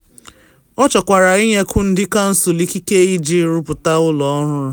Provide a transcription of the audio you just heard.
Ọ chọkwara ịnyekwu ndị kansụl ikike iji rụpụta ụlọ ọhụrụ.